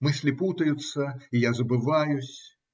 Мысли путаются, и я забываюсь.